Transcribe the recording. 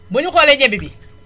bu ñu xoolee ñebe bi